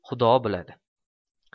xudo biladi